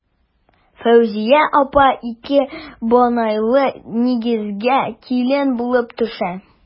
Фәүзия апа ике бианайлы нигезгә килен булып төшә.